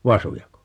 vasujako